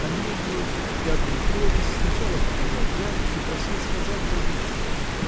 Комедию и одну повесть сначала показал дяде и просил сказать годится ли?